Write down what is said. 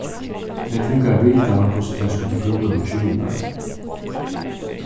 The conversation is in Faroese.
tey fingu at vita hvussu tey skuldu brúka maskinurnar